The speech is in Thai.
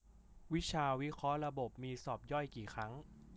วิชาวิเคราะห์ระบบมีสอบย่อยกี่ครั้ง